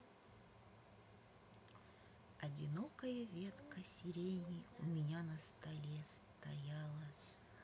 одинокая ветка сирени у меня на столе стояла